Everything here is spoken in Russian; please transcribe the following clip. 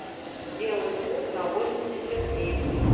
сделай звук на восемьдесят девять